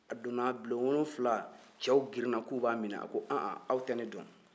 a donna bulon wolonfila cɛw girin na k'u b'a minɛ a ko anhan aw tɛ ne dɔn